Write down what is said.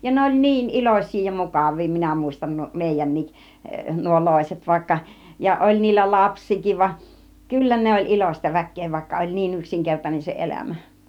ja ne oli niin iloisia ja mukavia minä muistan meidänkin nuo loiset vaikka ja oli niillä lapsiakin vaan kyllä ne oli iloista väkeä vaikka oli niin yksinkertainen se elämä